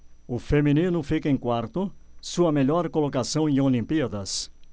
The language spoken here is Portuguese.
o feminino fica em quarto sua melhor colocação em olimpíadas